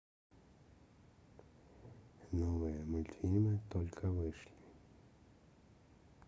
новые мультфильмы только вышли